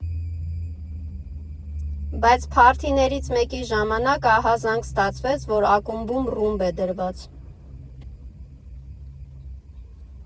Բայց, փարթիներից մեկի ժամանակ ահազանգ ստացվեց, որ ակումբում ռումբ է դրված։